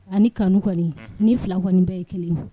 Ani kanu kɔni, unhun, ni fila kɔni bɛ ye kelen.